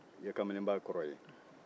i ye kamalenba kɔrɔ ye